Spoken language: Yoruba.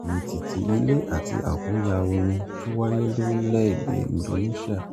Ìmìtìtì ilẹ̀ àti àkúnya omi tó wáyé lórílẹ̀-èdè Indonesia